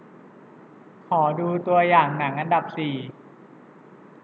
ขอดูตัวอย่างหนังอันดับสี่